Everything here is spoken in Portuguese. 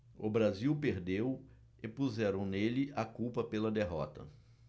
o brasil perdeu e puseram nele a culpa pela derrota